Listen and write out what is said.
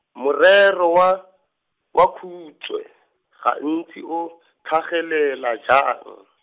morero wa, wa Khutshwe, gantsi o, tlhagelela jang?